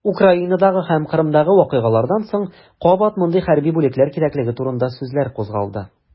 Украинадагы һәм Кырымдагы вакыйгалардан соң кабат мондый хәрби бүлекләр кирәклеге турында сүзләр кузгалды.